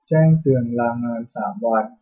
แจ้งเตือนลางานสามวัน